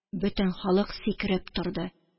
Бөтен халык сикереп торды.